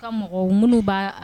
Ka mɔgɔw munun ba